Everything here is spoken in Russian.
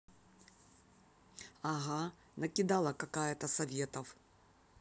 ага накидала такая то советов